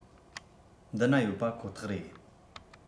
འདི ན ཡོད པ ཁོ ཐག རེད